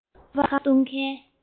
ཁ པར གཏོང མཁན